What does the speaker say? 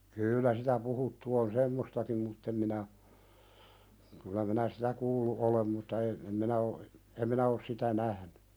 kyllä sitä puhuttu on semmoistakin mutta en minä kyllä minä sitä kuullut olen mutta - en minä on en minä ole sitä nähnyt